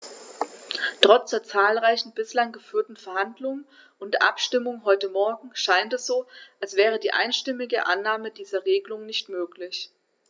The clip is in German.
Trotz der zahlreichen bislang geführten Verhandlungen und der Abstimmung heute Morgen scheint es so, als wäre die einstimmige Annahme dieser Regelung nicht möglich.